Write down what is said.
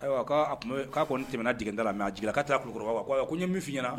Ayiwa'a kɔni nin tɛmɛna dda la mɛ a k'a taarara kulukɔrɔba ko n ye min f' ɲɛna